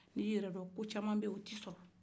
n'i y'i yɛrɛ don ko caman bɛ ye o t'i sɔrɔ